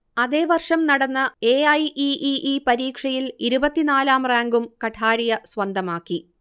അതേവർഷം നടന്ന A. I. E. E. E പരീക്ഷയിൽ ഇരുപത്തിനാലാം റാങ്കും കഠാരിയ സ്വന്തമാക്കി